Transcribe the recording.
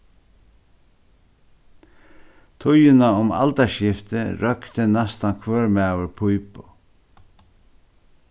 tíðina um aldarskiftið roykti næstan hvør maður pípu